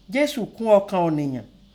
Jesu ku ọkàn ọ̀niyan.